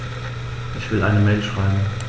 Ich will eine Mail schreiben.